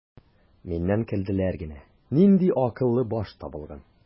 Миннән көлделәр генә: "Нинди акыллы баш табылган!"